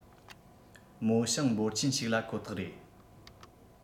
རྨོ ཞིང འབོར ཆེན ཞིག ལ ཁོ ཐག རེད